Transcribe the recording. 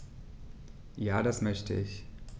Ja, das möchte ich.